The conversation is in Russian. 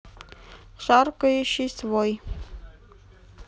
шаркающий свой